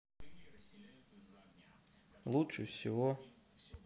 лучше всего